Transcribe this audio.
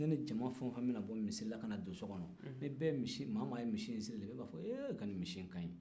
ni cama fɛn o fɛn bɛna bɔ misiri la ka na don so kɔnɔ maa o maa ye min in sirilen ye e b'a fɔ ee i ka misi in ka ɲi